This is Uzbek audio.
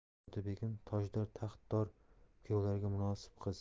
xonzoda begim tojdor taxt dor kuyovlarga munosib qiz